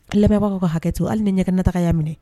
Kɛlɛ bbagawa ka hakɛtu hali ni ɲɛgɛn neta y'a minɛ